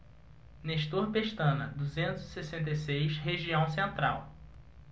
nestor pestana duzentos e sessenta e seis região central